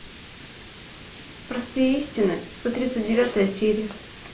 простые истины сто тридцать девятая серия